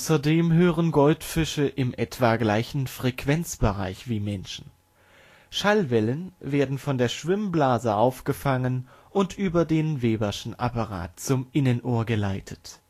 Außerdem hören Goldfische im etwa gleichen Frequenzbereich wie Menschen. Schallwellen werden von der Schwimmblase aufgefangen und über den Weberschen Apparat zum Innenohr geleitet